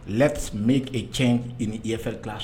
Lɛti bɛ cɛ in i ni efɛrila